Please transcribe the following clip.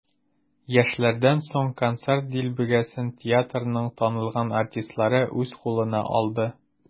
Яшьләрдән соң концерт дилбегәсен театрның танылган артистлары үз кулына алды.